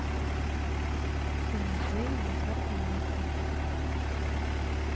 том и джерри на картун нетворк